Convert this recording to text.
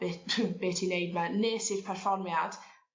be be' ti'n neud 'ma nes i'r perfformiad